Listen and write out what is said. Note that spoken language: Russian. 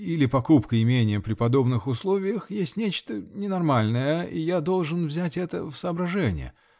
или покупка имения при подобных условиях есть нечто ненормальное, и я должен взять это в соображение.